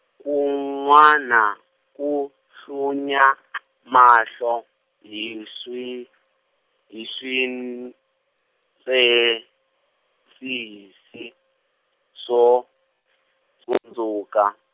kun'wana ku tlunya mahlo hi swi, hi swin- -ntswetsisi, swo, tsundzuka.